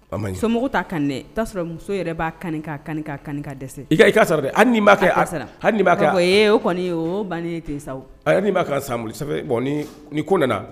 Fɛn ta kan'a sɔrɔ muso yɛrɛ b'a kan kan kan ka dɛsɛse i'a sɔrɔ hali'a kɛ a sara halia o kɔni tɛ sa'a ka sa ni ko nana